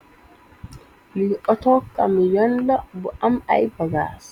Li auto kami yon la bu am ay pagas.